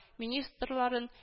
Министрларын